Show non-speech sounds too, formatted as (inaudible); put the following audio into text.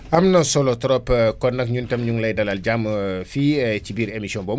am na solo trop kon nag ñun tam énu ngi lay dafal jàmm (hesitation) fii (hesitation) ci biir émission boobu